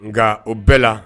Nka o bɛɛ la